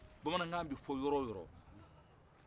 bamanankan bɛ fɔ yɔrɔ o yɔrɔ